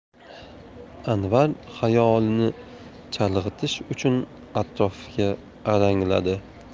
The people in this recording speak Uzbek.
anvar xayolini chalg'itish uchun atrofga alangladi